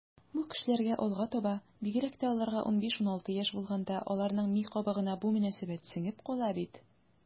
Бу кешеләрдә алга таба, бигрәк тә аларга 15-16 яшь булганда, аларның ми кабыгына бу мөнәсәбәт сеңеп кала бит.